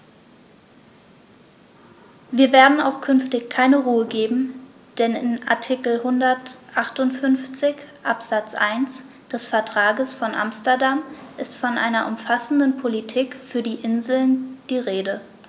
Wir werden auch künftig keine Ruhe geben, denn in Artikel 158 Absatz 1 des Vertrages von Amsterdam ist von einer umfassenden Politik für die Inseln die Rede.